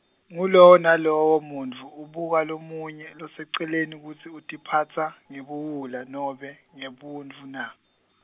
ngulowo nalowo muntfu ubuka lomunye loseceleni kutsi utiphatsa, ngebuwula nobe, ngebuntfu na?